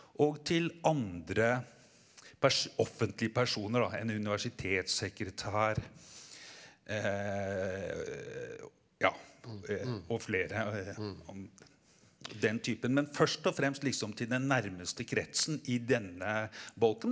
og til andre offentlige personer da en universitetssekretær ja og flere den typen men først og fremst liksom til den nærmeste kretsen i denne bolken.